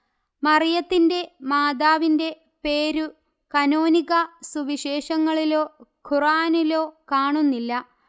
മറിയത്തിന്റെ മാതാവിന്റെ പേരു കാനോനിക സുവിശേഷങ്ങളിലോ ഖുർആനിലോ കാണുന്നില്ല